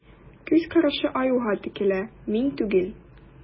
Күз карашы Аюга текәлә: мин түгел.